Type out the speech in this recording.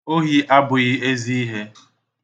ohi abụghị ezi ihe